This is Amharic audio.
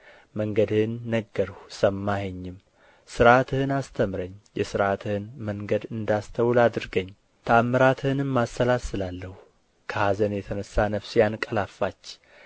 መንገድህን ነገርሁ ሰማኸኝም ሥርዓትህን አስተምረኝ የሥርዓትህን መንገድ እንዳስተውል አድርገኝ ተኣምራትህንም አሰላስላለሁ ከኀዘን የተነሣ ነፍሴ አንቀላፋች